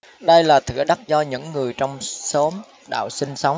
đây là thửa đất do những người trong xóm đạo sinh sống